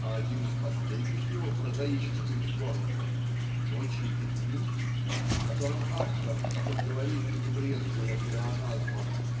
А один из последних его прозаических сборников "Ночи и дни" в котором автор как он говорит не брезгая плеоназмом